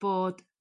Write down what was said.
bod